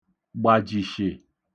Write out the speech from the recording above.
gbàjìshị̀